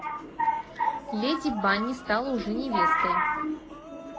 леди банни стала уже невестой